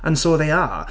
And so they are.